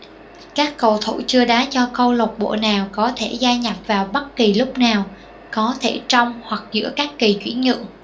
các cầu thủ chưa đá cho câu lạc bộ nào có thể gia nhập vào bất kỳ lúc nào có thể trong hoặc giữa các kỳ chuyển nhượng